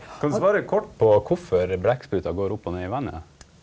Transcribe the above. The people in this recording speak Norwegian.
kan du svara kort på kvifor blekksprutar går opp og ned i vatnet?